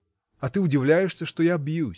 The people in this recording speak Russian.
А ты удивляешься, что я бьюсь?